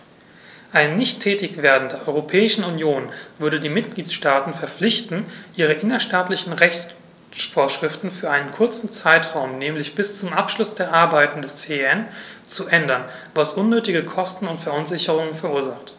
Ein Nichttätigwerden der Europäischen Union würde die Mitgliedstaten verpflichten, ihre innerstaatlichen Rechtsvorschriften für einen kurzen Zeitraum, nämlich bis zum Abschluss der Arbeiten des CEN, zu ändern, was unnötige Kosten und Verunsicherungen verursacht.